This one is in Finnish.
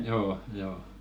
joo joo